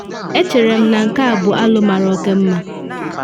“Echere m na nke a bụ alo mara oke mma.